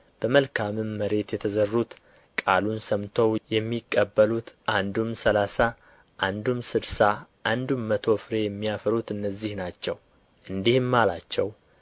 በመልካምም መሬት የተዘሩት ቃሉን ሰምተው የሚቀበሉት አንዱም ሠላሳ አንዱም ስድሳ አንዱም መቶ ፍሬ የሚያፈሩት እነዚህ ናቸው እንዲህም አላቸው